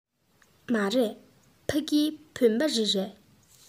མ རེད ཕ གི བུམ པ རི རེད